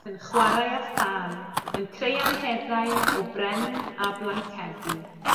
yn chwarae â thân, yn creu anheddau o bren a blancedi.